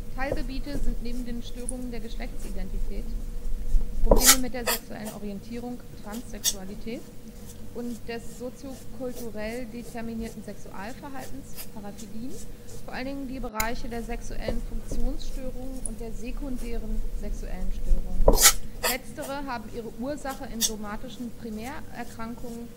Teilgebiete sind neben den Störungen der Geschlechtsidentität (Probleme mit der sexuellen Orientierung, Transsexualität) und des soziokulturell determinierten Sexualverhaltens (Paraphilien) vor allem die Bereiche der sexuellen Funktionsstörungen und der sekundären sexuellen Störungen. Letztere haben ihre Ursache in somatischen Primärerkrankung